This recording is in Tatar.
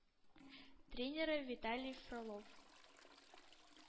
Тренеры – виталий фролов